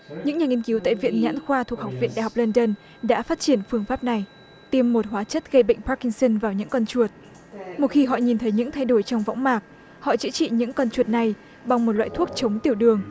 những nhà nghiên cứu tại viện nhãn khoa thuộc học viện đại học lân đân đã phát triển phương pháp này tiêm một hóa chất gây bệnh pác kinh sưn vào những con chuột một khi họ nhìn thấy những thay đổi trong võng mạc họ chữa trị những con chuột này bằng một loại thuốc chống tiểu đường